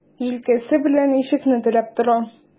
Җилкәсе белән ишекне терәп тора.